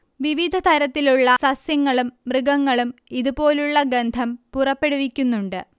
വിവിധതരത്തിലുള്ള സസ്യങ്ങളും മൃഗങ്ങളും ഇതു പോലുള്ള ഗന്ധം പുറപ്പെടുവിക്കുന്നുണ്ട്